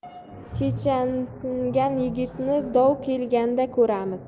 chechansingan yigitni dov kelganda ko'ramiz